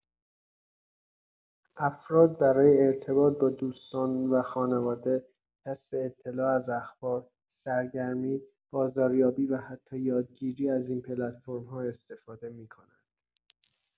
افراد برای ارتباط با دوستان و خانواده، کسب اطلاع از اخبار، سرگرمی، بازاریابی و حتی یادگیری از این پلتفرم‌ها استفاده می‌کنند.